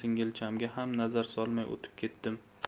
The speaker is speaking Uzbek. singilchamga ham nazar solmay o'tib ketdim